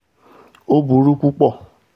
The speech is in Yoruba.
Ó burú púpọ̀